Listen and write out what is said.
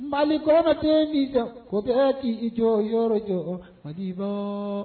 Malikɔnɔ denmisɛnw bɛɛ k'i jɔyɔrɔ jɔ Maliba